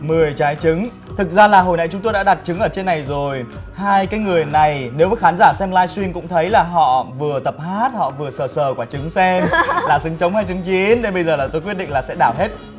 mười trái chứng thực ra là hồi này chúng tôi đã đặt trứng ở trên này rồi hai cái người này nếu khán giả xem lai trim cũng thấy là họ vừa tập hát họ vừa sờ sờ quả trứng xem là trứng sống hay trứng chín nên bây giờ là tôi quyết định là sẽ bảo hết